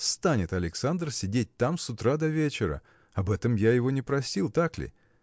– станет Александр сидеть там с утра до вечера! об этом я его не просил; так ли?